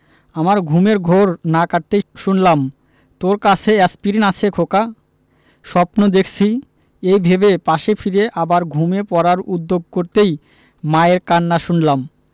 আমার ঘুমের ঘোর না কাটতেই শুনলাম তোর কাছে এ্যাসপিরিন আছে খোকা স্বপ্ন দেখছি এই ভেবে পাশে ফিরে আবার ঘুমিয়ে পড়ার উদ্যোগ করতেই মায়ের কান্না শুনলাম